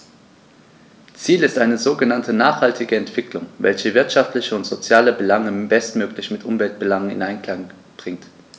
Ziel ist eine sogenannte nachhaltige Entwicklung, welche wirtschaftliche und soziale Belange bestmöglich mit Umweltbelangen in Einklang bringt.